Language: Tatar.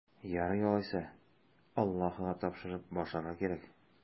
Ярый алайса, Аллаһыга тапшырып башларга кирәк.